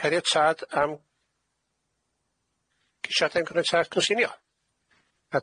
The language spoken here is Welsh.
Caniatad am, ceisiadau caniatâd cynllunio.